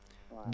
waaw